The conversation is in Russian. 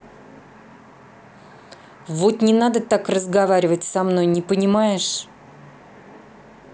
вот не надо так разговаривать со мной не понимаешь